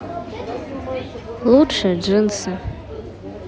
лучшие джинсы